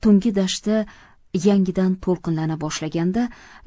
tungi dashtda yangidan to'lqinlana boshlaganda